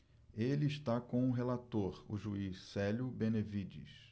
ele está com o relator o juiz célio benevides